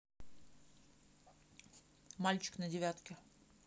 мальчик на девятке